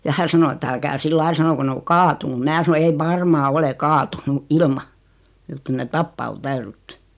ja hän sanoi että älkää sillä lailla sanoko ne on kaatunut minä sanoi ei varmaan ole kaatunut ilman jotta kyllä ne tappaa on täydytty